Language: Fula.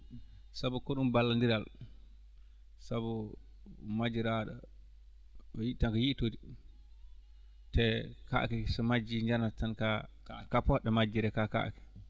sabu ko ɗuum ballondiral sabu majjiraaɗo o yiɗi tan ko yiitude te kaake so majjii njanata tan ka ka ka poɗɗo majjire ka ka